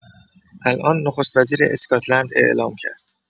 الان نخست‌وزیر اسکاتلند اعلام کرد.